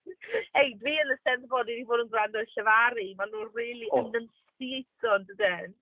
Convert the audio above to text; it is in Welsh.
Hei, dwi yn y 'Steddfod. Dwi 'di bod yn gwrando ar y llefaru. Maen nhw'n rili... O! ...anynsieitio, yn dydyn.